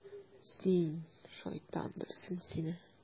Син, шайтан белсен сине...